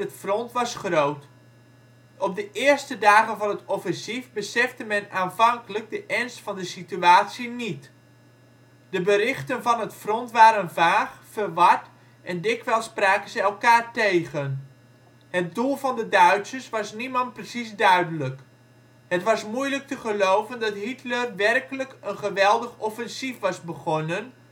front was groot. Op de eerste dagen van het offensief besefte men aanvankelijk de ernst van de situatie niet. De berichten van het front waren vaag, verward en dikwijls spraken ze elkaar tegen. Het doel van de Duitsers was niemand precies duidelijk. Het was moeilijk te geloven dat Hitler werkelijk een geweldig offensief was begonnen